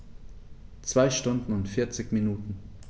2 Stunden und 40 Minuten